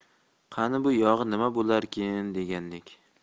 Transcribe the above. qani bu yog'i nima bo'larkin degandek